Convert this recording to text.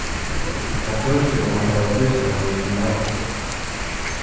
tað snýr seg um at hava tíð saman við sínum nærmastu